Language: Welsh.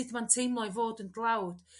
sud ma'n teimlo'i fod yn dlawd?